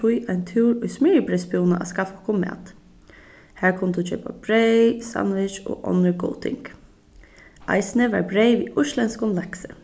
tí ein túr í smyrjibreyðsbúðina at skaffa okkum mat har kundi tú keypa breyð sandwich og onnur góð ting eisini var breyð við íslendskum laksi